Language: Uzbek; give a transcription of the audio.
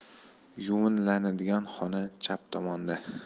yuviniladigan xona chap tomonda